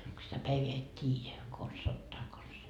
kun sitä päivää et tiedä konsa sataa konsa